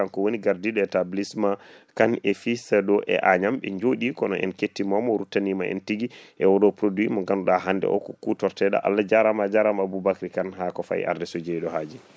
kanko woni gardiɗo établissement Kane et fils ɗo e Agnam ɓe jooɗi kono en kettimomo o ruttanima en tigui e oɗo produit mo ganduɗa hande o ko kutorteɗo Allah jaarama a jaarama Aboubacry Kane ha ko faye arde so jeeyɗo haaji